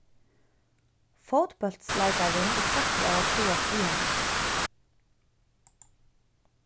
fótbóltsleikarin er troyttur av at fáast við hana